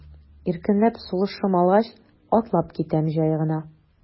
Иркенләп сулышым алгач, атлап китәм җай гына.